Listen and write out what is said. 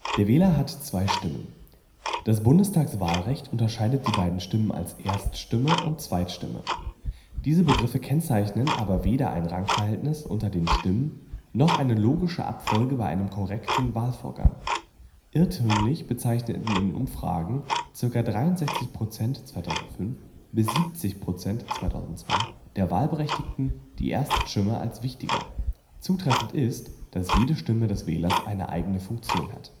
Der Wähler hat zwei Stimmen. Das Bundestagswahlrecht unterscheidet die beiden Stimmen als Erststimme und Zweitstimme. Diese Begriffe kennzeichnen aber weder ein Rangverhältnis unter den Stimmen noch eine logische Abfolge bei einem korrekten Wahlvorgang. Irrtümlich bezeichneten in Umfragen ca. 63 % (2005) bis 70 % (2002) der Wahlberechtigten die Erststimme als wichtiger. Zutreffend ist, dass jede Stimme des Wählers eine eigene Funktion hat